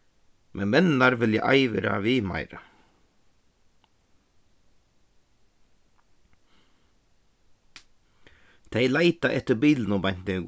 men menninar vilja ei vera við meira tey leita eftir bilinum beint nú